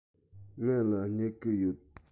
ང ལ སྨྱུ གུ ཡོད